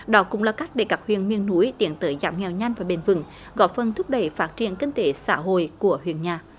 đó cũng là cách để các huyện miền núi tiến tới giảm nghèo nhanh và bền vững góp phần thúc đẩy phát triển kinh tế xã hội của huyện nhà